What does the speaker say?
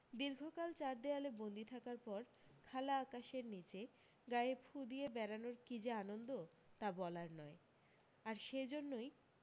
দীর্ঘকাল চার দেওয়ালে বন্দি থাকার পর খালা আকাশের নীচে গায়ে ফুঁ দিয়ে বেড়ানোর কী যে আনন্দ তা বলার নয় আর সেই জন্যই